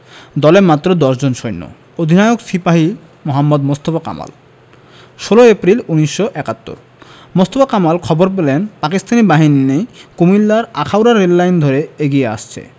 দলে মাত্র দশজন সৈন্য অধিনায়ক সিপাহি মোহাম্মদ মোস্তফা কামাল ১৬ এপ্রিল ১৯৭১ মোস্তফা কামাল খবর পেলেন পাকিস্তানি বাহিনী কুমিল্লার আখাউড়া রেললাইন ধরে এগিয়ে আসছে